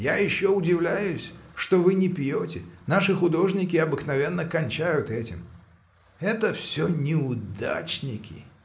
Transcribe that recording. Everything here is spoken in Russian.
Я еще удивляюсь, что вы не пьете: наши художники обыкновенно кончают этим. Это всё неудачники!